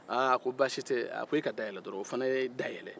aaa a ko baasi tɛ e ka da yɛlɛ dɔrɔn o fana ye da yɛlɛ